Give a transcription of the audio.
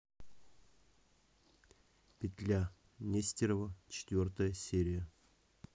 петля нестерова четвертая серия